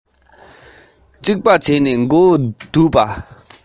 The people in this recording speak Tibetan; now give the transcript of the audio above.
འགྲོ བའི བརྒྱུད རིམ ནི